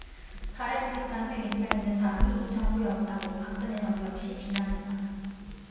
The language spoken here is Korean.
잘해보겠다는 의지가 있는 사람이 이 정부에 없다고 박근혜 정부 역시 비난했다